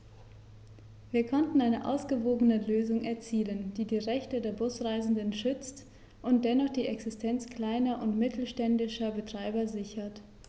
Wir konnten eine ausgewogene Lösung erzielen, die die Rechte der Busreisenden schützt und dennoch die Existenz kleiner und mittelständischer Betreiber sichert.